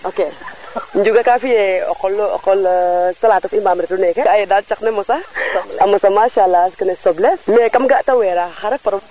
ok njuga ka fiye o qolu o qol o qol talata i mbaam ritu neeke waaye daal caq ne mosa a mosa machaala kene soble mais :ffra kam ga te weera xa ref pro